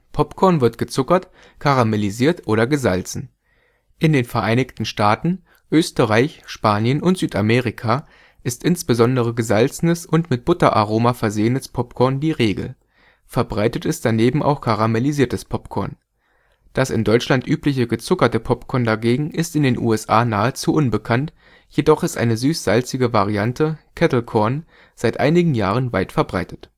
Popcorn wird gezuckert, karamellisiert oder gesalzen. In den Vereinigten Staaten, Österreich, Spanien und Südamerika ist insbesondere gesalzenes und mit Butteraroma versehenes Popcorn die Regel; verbreitet ist daneben auch karamellisiertes Popcorn. Das in Deutschland übliche gezuckerte Popcorn dagegen ist in den USA nahezu unbekannt, jedoch ist eine süß-salzige Variante, „ Kettle corn “, seit einigen Jahren weit verbreitet